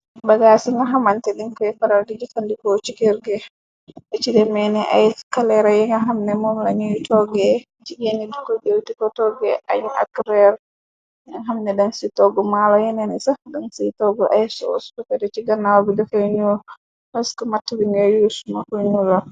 Bagaa yi nga xamante dimkoy faral di jëkkandikoo ci kërge be, ci demeeni ay kaleera yi nga xamne moom lañuy toggee, ji geeni du kulgéew ti ko togge añ ak reer, yinga xamne den ci toggu maalo, yenee ni sax dan ci toggu, ay soo spotare ci ganaaw bi dëkey ñu rësk matt bi nguy yusumaxu ñu rap.